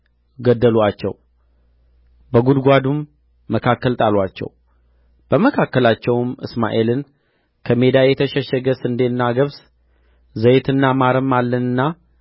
ገደሉአቸው በጉድጓዱም መካከል ጣሉአቸው በመካከላቸውም እስማኤልን በሜዳ የተሸሸገ ስንዴና ገብስ ዘይትና ማርም አለንና